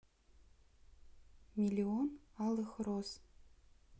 миллион алых роз